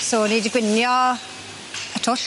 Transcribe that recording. So 'yn ni 'di gwynio y twll.